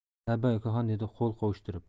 labbay okaxon dedi qo'l qovushtirib